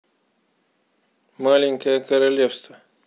маленькое королевство